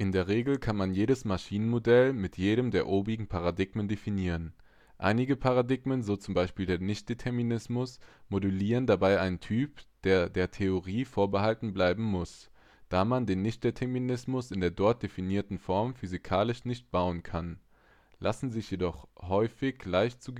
der Regel kann man jedes Maschinenmodell mit jedem der obigen Paradigmen definieren. Einige Paradigmen, so zum Beispiel der Nichtdeterminismus, modellieren dabei einen Typ, der der Theorie vorbehalten bleiben muss, da man den Nichtdeterminismus in der dort definierten Form physikalisch nicht bauen kann, (sie „ erraten “einen richtigen Pfad in einem Berechnungsbaum), lassen sich jedoch häufig leicht zu